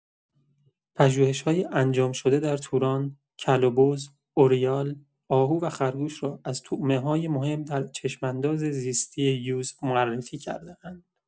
پژوهش‌‌های انجام‌شده در توران، کل‌وبز، اوریال، آهو و خرگوش را از طعمه‌های مهم در چشم‌انداز زیستی یوز معرفی کرده‌اند.